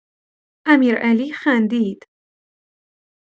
امیرعلی خندید.